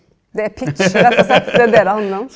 det er pitch rett og slett, det er det handlar om?